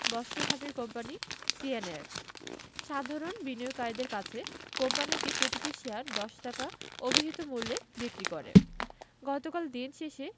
বস্ত্র খাতের কোম্পানি সিঅ্যানএ সাধারণ বিনিয়োগকারীদের কাছে কোম্পানিটি প্রতিটি শেয়ার ১০ টাকা অভিহিত মূল্যে বিক্রি করে গতকাল দিন শেষে